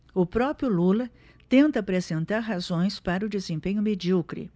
o próprio lula tenta apresentar razões para o desempenho medíocre